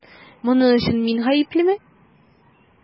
Моның өчен мин гаеплемени?